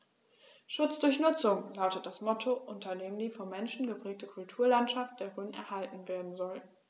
„Schutz durch Nutzung“ lautet das Motto, unter dem die vom Menschen geprägte Kulturlandschaft der Rhön erhalten werden soll.